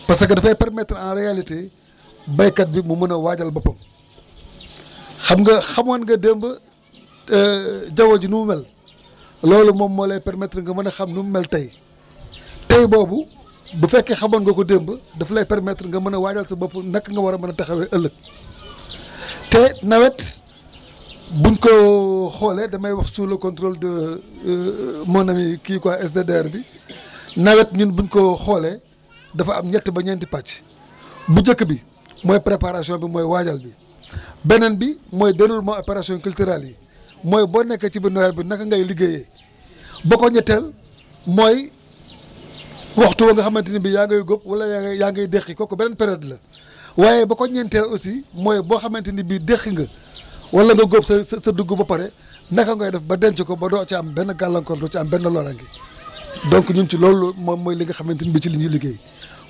parce que dafay permettre en réalité béykat bi mu mën a waajal boppam xam nga xamoon nga démb jaww ji nu mu mel loolu moom moo lay permettre nga mën a xam nu mu mel tey tey boobu bu fekkee xamoon nga ko démb daf lay permettre nga mën a waajal sa bopp naka nga war a mën a taxawee ëllëg te nawet bu ñu ko xoolee damay wax sous le contôle de mon ami kii quoi SDDR bi nawet ñun bu ñu ko xoolee dafa am ñetti ba ñeenti pàcc bu njëkk bi mooy préparation bi mooy waajal bi beneen bi mooy déroulement opération culturelle yi mooy boo nekkee ci biir nawet bi naka ngay liggéeyee ba ko ñetteel mooy waxtu wa nga xamante ne bi yaa ngay góob wala yaa ngay yaa ngi deqi kooku beneen période la waaye ba ko ñeenteel aussi mooy boo xamante ni bi deqi nga wala nga góob sa sa sa dugub ba pare naka ngay def ba denc ko ba doo ca am benn gàllankoor doo ci am benn loraange donc ñun ci loolu moom mooy li nga xamante ne bi ci la ñuy liggéey